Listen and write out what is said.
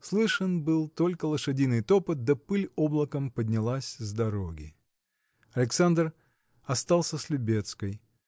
слышен был только лошадиный топот, да пыль облаком поднялась с дороги. Александр остался с Любецкой.